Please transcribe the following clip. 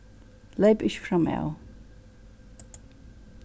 leyp ikki framav